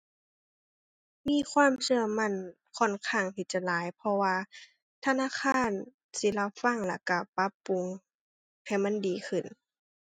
มีความเชื่อมั่นค่อนข้างที่จะหลาย เพราะว่าธนาคารสิรับฟังแล้วก็ปรับปรุงให้มันดีขึ้น